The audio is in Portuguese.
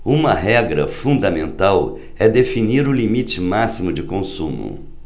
uma regra fundamental é definir um limite máximo de consumo